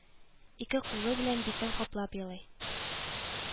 Ике кулы белән битен каплап елый